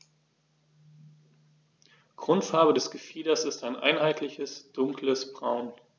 Grundfarbe des Gefieders ist ein einheitliches dunkles Braun.